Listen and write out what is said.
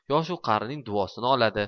yoshu qarining duosini oladi